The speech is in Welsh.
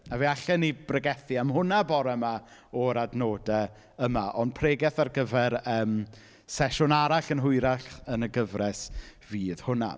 A fe allen i bregethu am hwnna bore yma o'r adnodau yma, ond pregeth ar gyfer yym sesiwn arall yn hwyrach yn y gyfres fydd hwnna.